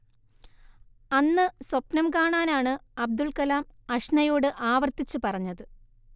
അന്ന് സ്വപ്നം കാണാനാണ് അബ്ദുൾക്കലാം അഷ്നയോട് ആവർത്തിച്ച് പറഞ്ഞത്